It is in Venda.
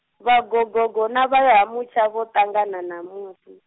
vha Gogogo na vha Ha Mutsha vho ṱangana ṋamusi.